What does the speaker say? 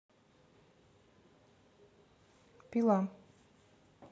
пила